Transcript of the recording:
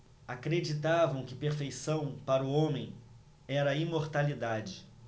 acreditavam que perfeição para o homem era a imortalidade